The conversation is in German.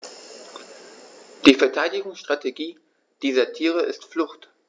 Die Verteidigungsstrategie dieser Tiere ist Flucht.